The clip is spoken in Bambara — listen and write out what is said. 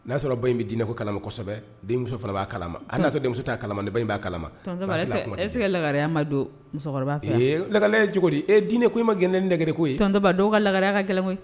N'a sɔrɔ ba in be diinɛ ko kalama kɔsɛbɛ denmuso fana b'a kalama hali n'a y'a sɔrɔ denmuso t'a kalama de ba in b'a kalama tonton Bala est ce que est ce que lakareya ma don musɔkɔrɔba fɛ ee lakaliya cogodi e diinɛ ko in ma gɛnnɛ ni lakare ko ye tonton ba dɔw ka lakareya ka gɛlɛn koyi